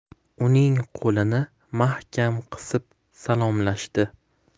uning qo'lini mahkam qisib salomlashdi